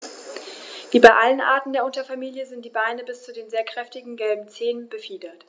Wie bei allen Arten der Unterfamilie sind die Beine bis zu den sehr kräftigen gelben Zehen befiedert.